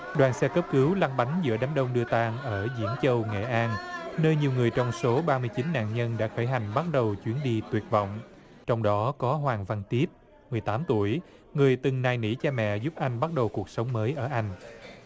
đoàn xe cấp cứu lăn bánh giữa đám đông đưa tang ở diễn châu nghệ an nơi nhiều người trong số ba mươi chín nạn nhân đã khởi hành bắt đầu chuyến đi tuyệt vọng trong đó có hoàng văn tiết mười tám tuổi người từng nài nỉ cha mẹ giúp anh bắt đầu cuộc sống mới ở anh